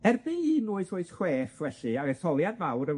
Erbyn un wyth wyth chwech felly, a'r etholiad mawr y